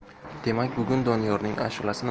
demak bugun doniyorning ashulasini